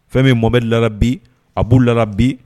Fɛn min ye Mohamed larabi, Abou larabi